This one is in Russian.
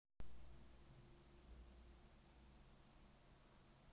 у меня мистика большая